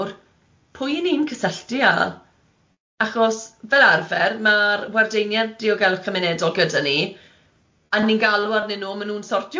Pwy y'ni'n cysylltu â? Achos fel arfer ma'r wardeinied diogelwch cymunedol gyda ni, a ni'n galw arnyn nhw a ma' nhw'n sortio fe